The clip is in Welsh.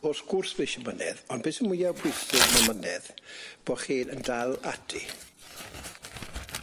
Wrth gwrs fi isie mynedd ond be' sy mwya pwysig na mynedd bo' chi'n yn dal ati.